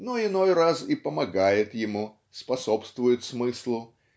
но иной раз и помогает ему способствует смыслу